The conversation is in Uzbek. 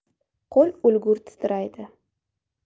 qo'l o'lgur titraydi